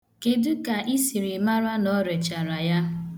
Kedu ka ị siri mara na o rechara ya?